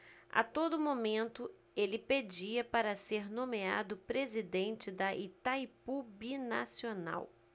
a todo momento ele pedia para ser nomeado presidente de itaipu binacional